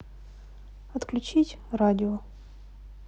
отключить радио